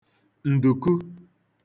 ǹdùku